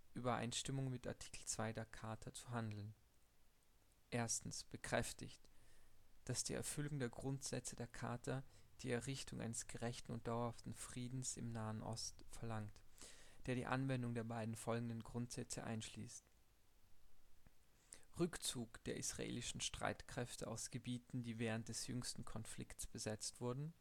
in Übereinstimmung mit Artikel 2 der Charta zu handeln, 1. bekräftigt, daß die Erfüllung der Grundsätze der Charta die Errichtung eines gerechten und dauerhaften Friedens in Nahost verlangt, der die Anwendung der beiden folgenden Grundsätze einschließt: i Rückzug der israelischen Streitkräfte aus Gebieten, die während des jüngsten Konfliktes besetzt wurden